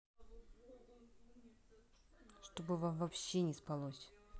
чтобы вам вообще не спалось